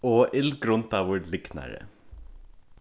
og illgrundaður lygnari